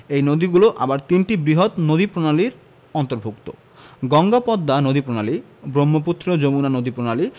এই নদীগুলো আবার তিনটি বৃহৎ নদীপ্রণালীর অন্তর্ভুক্ত গঙ্গা পদ্মা নদীপ্রণালী ব্রহ্মপুত্র যমুনা নদীপ্রণালী